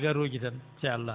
garooji tan inchallah